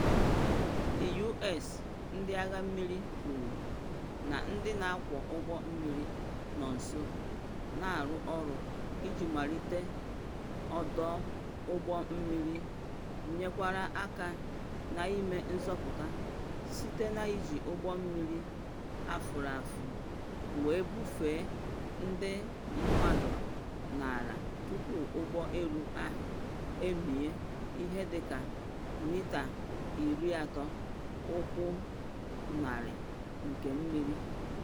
The U.S. Ndị agha mmiri kwuru na ndị na ọkwọ ụgbọ mmiri nọ nso na arụ ọrụ iji melite ọdụ ụgbọ mmiri nyerekwara aka na ịme nzọpụta site na iji ụgbọ mmiri afụrụafụ wee bufee ndị mmadụ n’ala tupu ụgbọ elu ahụ emie ihe dị ka mita 30 (ụkwụ 100) nke mmiri.